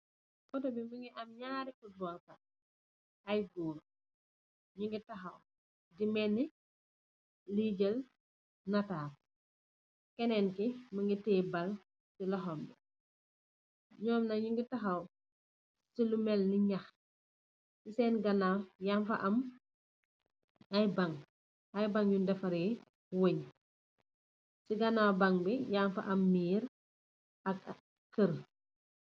Otto bi mungi am niarri futbal kat. Ñoing I taxaw, di melni ñuy jël nataal. Kenen ki, mungi teyi bal si loxoom. Ñiom nak ñu ngi taxaw si lu melni ñax.si seen ganaaw, yaang fa am ay bañg. Ay bañg yuñg defaree, wéñg. Si ganaaw bañg bi yaang fa am miir.